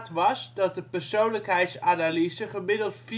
was, dat de persoonlijkheidsanalyse gemiddeld